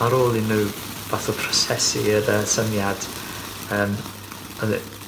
ar ôl i nhw fath o prosesu'r yy syniad yym odd e